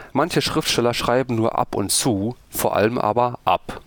Manche Schriftsteller schreiben nur ab und zu, vor allem aber ab